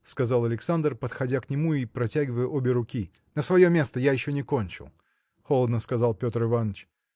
– сказал Александр, подходя к нему и протягивая обе руки. – На свое место: я еще не кончил! – холодно сказал Петр Иваныч.